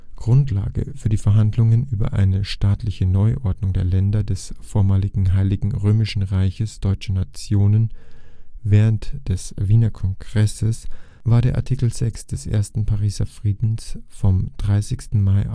Grundlage für die Verhandlungen über eine staatliche Neuordnung der Länder des vormaligen Heiligen Römischen Reiches (Deutscher Nation) während des Wiener Kongresses war der Artikel VI des Ersten Pariser Friedens vom 30. Mai